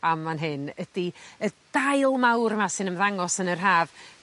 am fan hyn ydi y dail mawr 'ma sy'n ymddangos yn yr Haf